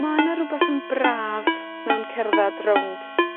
Mae 'na rwbath yn braf mewn cerdded rownd